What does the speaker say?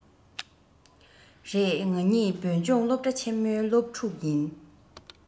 རེད ང གཉིས བོད ལྗོངས སློབ གྲ ཆེན མོའི སློབ ཕྲུག ཡིན